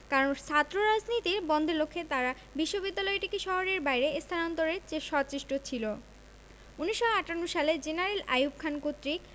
কারণ ছাত্ররাজনীতি বন্ধের লক্ষ্যে তারা বিশ্ববিদ্যালয়টিকে শহরের বাইরে স্থানান্তরে সচেষ্ট ছিল ১৯৫৮ সালে জেনারেল আইয়ুব খান কর্তৃক